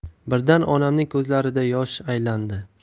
birdam onamning ko'zlarida yosh aylandi